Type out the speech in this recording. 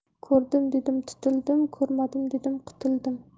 ko'rdim dedim tutildim ko'rmadim dedim qutuldim